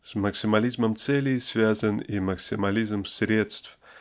С максимализмом целей связан и максимализм средств